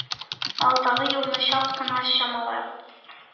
Алдагы юлны чак кына чамалап,